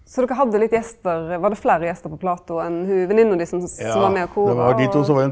så dokker hadde litt gjestar, var det fleire gjestar på plata enn ho veninna din som som var med å kora og?